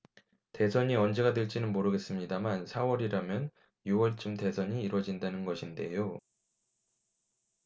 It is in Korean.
대선이 언제가 될지는 모르겠습니다만 사 월이라면 유 월쯤 대선이 이뤄진다는 것인데요